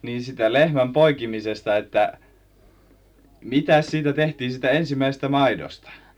niin siitä lehmän poikimisesta että mitäs siitä tehtiin siitä ensimmäisestä maidosta